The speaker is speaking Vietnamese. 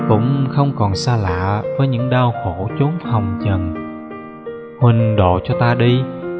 cũng không còn xa lạ với những đau khổ chốn hồng trần huynh độ cho ta đi